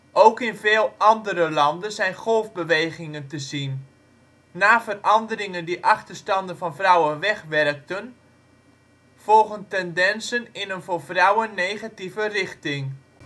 Ook in veel andere landen zijn golfbewegingen te zien: na veranderingen die achterstanden van vrouwen wegwerkten, volgen tendenzen in een voor vrouwen negatieve richting